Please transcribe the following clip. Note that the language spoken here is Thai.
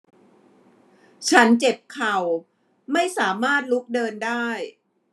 ฉันเจ็บเข่าไม่สามารถลุกเดินได้